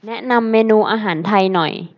แนะนำเมนูอาหารไทยหน่อย